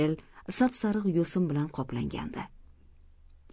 sap sariq yo'sin bilan qoplangandi